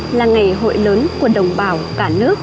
là ngày hội lớn của đồng bào cả nước